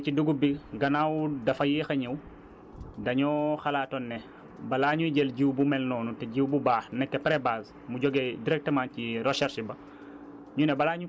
léegi ci dugub bi gannaaw dafa yéex a ñëw dañoo xalaatoon ne balaa ñuy jël jiw bu mel noonu te jiw bu baax nekk pré base mu jógee directement ci recherche ba